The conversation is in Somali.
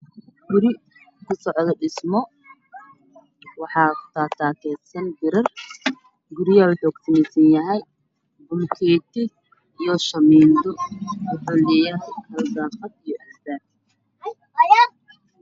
Waa guri ka socda dhismo ka kooban yahay waxaa ka tagtaagan biro midabkiisa waa madow